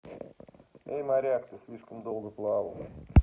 эй моряк ты слишком долго плавал